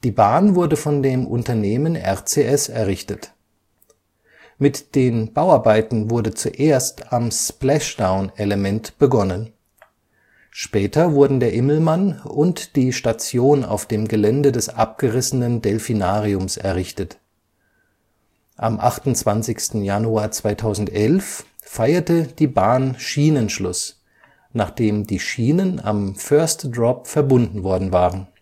Bahn wurde von dem Unternehmen RCS errichtet. Mit den Bauarbeiten wurde zuerst am Splashdown-Element begonnen. Später wurden der Immelmann und die Station auf dem Gelände des abgerissenen Delfinariums errichtet. Am 28. Januar 2011 feierte die Bahn Schienenschluss, nachdem die Schienen am First Drop verbunden worden waren